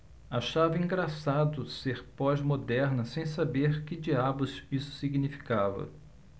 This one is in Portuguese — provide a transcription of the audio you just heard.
achava engraçado ser pós-moderna sem saber que diabos isso significava